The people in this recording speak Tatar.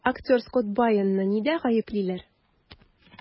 Актер Скотт Байоны нидә гаеплиләр?